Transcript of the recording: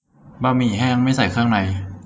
บะหมี่แห้งไม่ใส่เครื่องใน